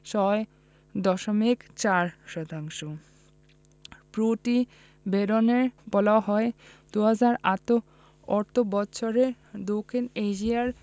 ৬.৪ শতাংশ প্রতিবেদনে বলা হয় ২০১৮ অর্থবছরে দক্ষিণ এশিয়ায়